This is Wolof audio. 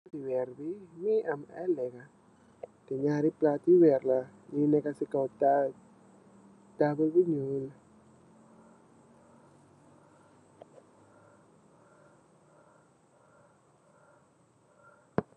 Plaati wehrre bii mungy am aiiy lehkah, teh njaari plaati wehrre la, njungy neka cii kaw taa taabul bu njull.